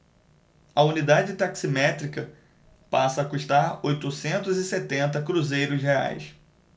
a unidade taximétrica passa a custar oitocentos e setenta cruzeiros reais